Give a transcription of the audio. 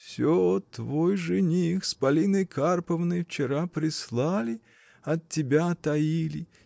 — Всё твой жених, с Полиной Карповной, вчера прислали. от тебя таили.